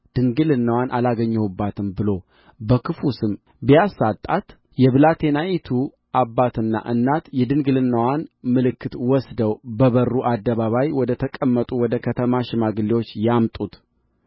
ድንግልናዋን አላገኘሁባትም ብሎ በክፉ ስም ቢያሳጣት የብላቴናይቱ አባትና እናት የድንግልናዋን ምልክት ወስደው በበሩ በአደባባይ ወደ ተቀመጡ ወደ ከተማ ሽማግሌዎች ያምጡት